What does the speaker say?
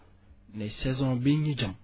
ne saison bii ñu jëm